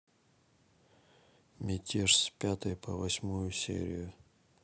мятеж с пятой по восьмую серию